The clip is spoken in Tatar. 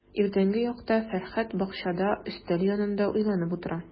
Иртәнге якта Фәрхәт бакчада өстәл янында уйланып утыра.